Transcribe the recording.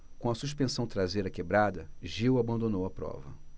com a suspensão traseira quebrada gil abandonou a prova